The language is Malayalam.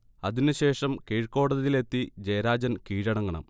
അതിന് ശേഷം കീഴ്കോടതിയിൽ എത്തി ജയരാജൻ കീഴടങ്ങണം